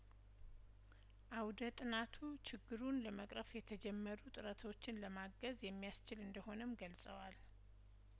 አውደ ጥናቱ ችግሩን ለመቅረፍ የተጀመሩ ጥረቶችን ለማገዝ የሚያስችል እንደሆነም ገልጸዋል